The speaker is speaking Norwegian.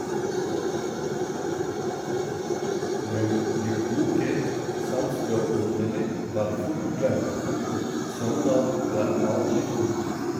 Men de kloke Sandstø-ordene var fort glemt, og Sogndal ga aldri opp.